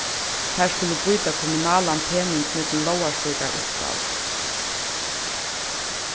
teir skulu býta kommunalan pening millum lógarstýrdar uppgávur